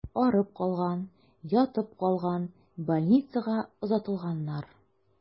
Арып калган, ятып калган, больницага озатылганнар.